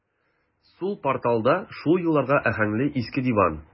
Сул порталда шул елларга аһәңле иске диван.